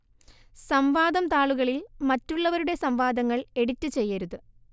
സംവാദം താളുകളിൽ മറ്റുള്ളവരുടെ സംവാദങ്ങൾ എഡിറ്റ് ചെയ്യരുത്